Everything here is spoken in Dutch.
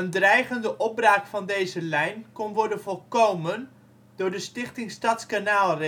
dreigende opbraak van deze lijn kon worden voorkomen door de Stichting Stadskanaal